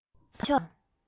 ཁ ཕྱོགས དང